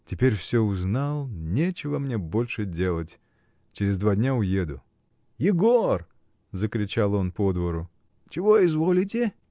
Теперь всё узнал, нечего мне больше делать: через два дня уеду! — Егор! — закричал он по двору. — Чего изволите?